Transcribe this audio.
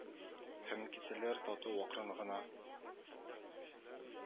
Һәм китсәләр тату акрын гына